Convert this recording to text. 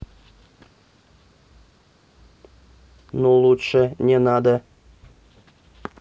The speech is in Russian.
ну лучше не надо